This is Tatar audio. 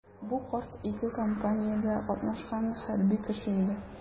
Бу карт ике кампаниядә катнашкан хәрби кеше иде.